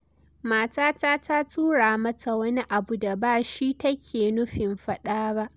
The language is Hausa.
“Matata ta tura ma ta wani abu da bashi take nufin fada ba.